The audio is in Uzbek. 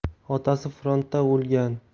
otasi frontda o'lgan